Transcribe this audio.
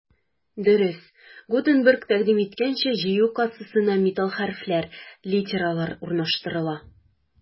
Дөрес, Гутенберг тәкъдим иткәнчә, җыю кассасына металл хәрефләр — литералар урнаштырыла.